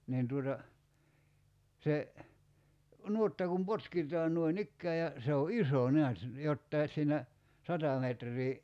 niin tuota se nuotta kun potkitaan noin ikään ja se on iso näet jotakin siinä sata metriä